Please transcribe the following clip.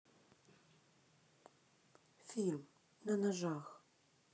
фильм на ножах